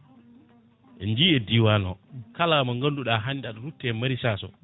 en jii e diwan o kala mo ganduɗa hande aɗa rutte maraichage o